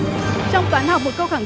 trong toán học một câu khẳng